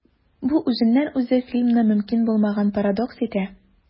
Бу үзеннән-үзе фильмны мөмкин булмаган парадокс итә.